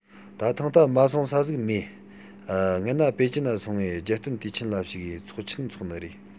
ད ཐེངས མ སོང ས ཟིག མེད སྔན ན པེ ཅིན ན སོང ངས རྒྱལ སྟོན དུས ཆེན ན ཞུགས གས ཚོགས ཆེན འཚོགས ནི རེད